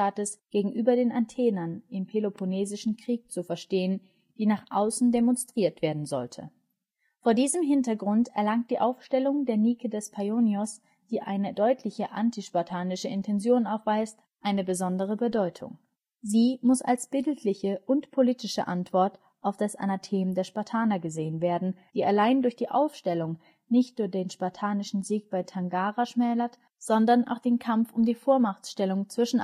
Peloponnesischen Krieg zu verstehen, die nach außen demonstriert werden sollte. Vor diesem Hintergrund erlangt die Aufstellung der Nike des Paionios, die eine deutliche antispartanische Intention aufweist, eine besondere Bedeutung. Sie muss als eine bildliche und politische Antwort auf das Anathem der Spartaner gesehen werden, die allein durch die Aufstellung nicht nur den spartanischen Sieg bei Tanagra schmälert, sondern auch den Kampf um die Vormachtstellung zwischen Athen und Sparta in Bilder fasst